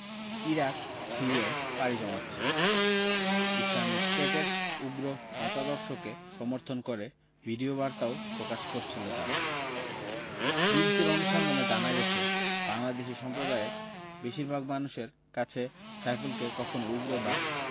Iraq সিরিয়ায় পাড়ি জমাচ্ছে ইসলামিক স্টেটের উগ্র মতাদর্শকে সমর্থন করে ভিডিওবার্তাও প্রকাশ করছিল তারা বিবিসির অনুসন্ধানে জানা গেছে বাংলাদেশি সম্প্রদায়ের বেশির ভাগ মানুষের কাছে সাইফুলকে কখনো উগ্র বা